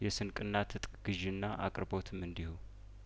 የስንቅና ትጥቅ ግዥና አቅርቦትም እንዲሁ